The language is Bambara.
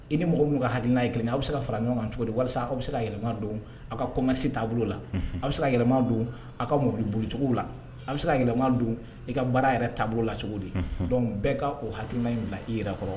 I ni mɔgɔ min ka ha n' ye kelen aw bɛ se ka fara ɲɔgɔn kan cogo di aw bɛ se ka yɛlɛma don aw ka kɔmmasi taabolo la aw bɛ se ka yɛlɛma don aw ka mobilibugucogo la a bɛ se ka yɛlɛma don i ka baara yɛrɛ taabolo la cogo di dɔnku bɛɛ ka o halima in bila i yɛrɛ kɔrɔ